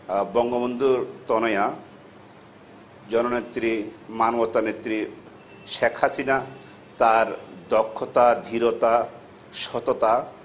বঙ্গবন্ধু তনয়া জননেত্রী মানবতা নেত্রী শেখ হাসিনা তার দক্ষতা ধীরতা সততা